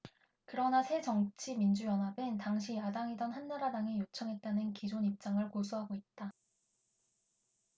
그러나 새정치민주연합은 당시 야당이던 한나라당이 요청했다는 기존 입장을 고수하고 있다